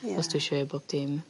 Ie. Os dwi isio i bob dim